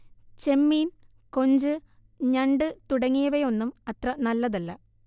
ചെമ്മീൻ, കൊഞ്ച്, ഞണ്ട് തുടങ്ങിയവയൊന്നും അത്ര നല്ലതല്ല